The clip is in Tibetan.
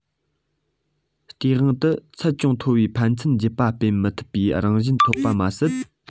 སྟེས དབང དུ ཚད ཅུང མཐོ བའི ཕན ཚུན རྒྱུད པ སྤེལ མི ཐུབ པའི རང བཞིན ཐོབ པ མ ཟད